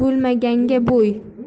bo'lar bo'lmaganga bo'y